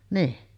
niin